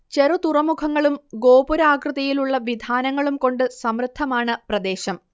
ചെറുതുറമുഖങ്ങളും ഗോപുരാകൃതിയിലുള്ള വിധാനങ്ങളും കൊണ്ട് സമൃദ്ധമാണ് പ്രദേശം